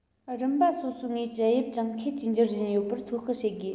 རིམ པ སོ སོའི ངོས ཀྱི དབྱིབས ཀྱང ཁད ཀྱིས འགྱུར བཞིན ཡོད པར ཚོད དཔག བྱེད དགོས